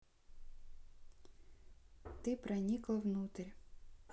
ты проникла внутрь